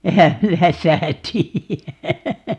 enhän minä sitä tiedä